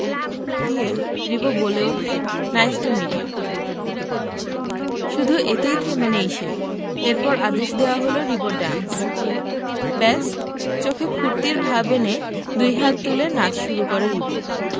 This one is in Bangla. দিয়ে রিবো বলে উঠে নাইস টু মিট ইউ শুধু এতেই থেমে নেই সে একবার আদেশ দেওয়া হলো রিবো ড্যান্স ব্যাস চোখে ফূর্তির ভাব এনে দুই হাত তুলে নাচ শুরু করে রিবো